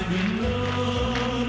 ơi